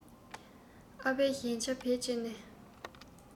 ཨ ཕའི གཞན ཆ བེད སྤྱད ནས